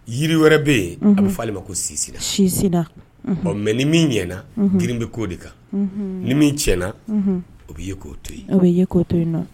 Yiri wɛrɛ bɛ yen a bɛ fɔ' olu ma ko sisira sinsi ɔ mɛ ni min ɲɛnaɲɛna kirin bɛ koo de kan ni min tina o' ye'o to yen aw bɛ ye' to yen nɔ